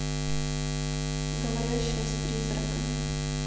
говорящая с призраками